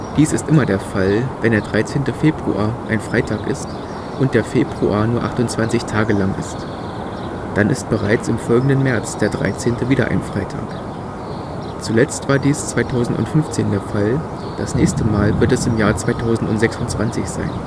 Dies ist immer der Fall, wenn der 13. Februar ein Freitag ist, und der Februar nur 28 Tage lang ist. Dann ist bereits im folgenden März der 13. wieder ein Freitag. Zuletzt war dies 2015 der Fall, das nächste Mal wird es im Jahr 2026 sein